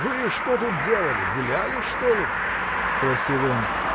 — Вы что тут делали, гуляли, что ли? — спросил он.